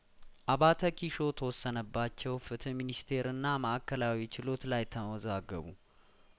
አባተ ኪሾ ተወሰነባቸው ፍትህ ሚኒስቴርና ማእከላዊ ችሎት ላይ ተወዛገቡ